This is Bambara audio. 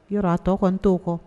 Yɔrɔ a tɔgɔ kɔn' kɔ